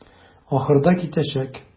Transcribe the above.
Ахырда китәчәк.